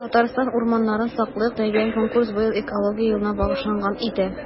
“татарстан урманнарын саклыйк!” дигән конкурс быел экология елына багышланган иде.